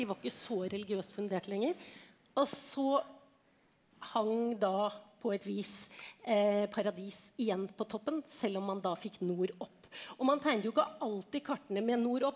de var ikke så religiøst fundert lenger og så hang da på et vis paradis igjen på toppen selv om man da fikk nord opp, og man tegnet jo ikke alltid kartene med nord opp.